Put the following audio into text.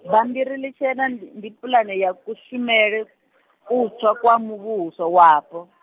bambiri ḽitshena ndi pulane ya kushumele, kutswa kwa muvhuso wapo.